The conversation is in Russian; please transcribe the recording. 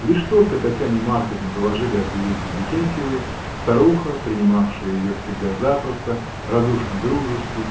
Лишь только Татьяне Марковне доложили о приезде Викентьевой, старуха, принимавшая ее всегда запросто, радушно-дружески,